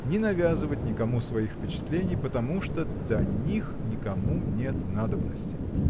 не навязывать никому своих впечатлений потому что до них никому нет надобности.